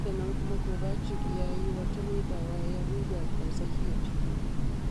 Nan da nan kuma Kovacic ya yi wata miƙawa ya ruga a tsakiyar filin.